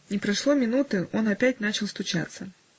Не прошло минуты, он опять начал стучаться.